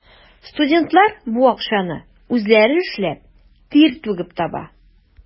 Студентлар бу акчаны үзләре эшләп, тир түгеп таба.